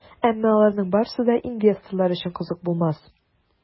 Әмма аларның барысы да инвесторлар өчен кызык булмас.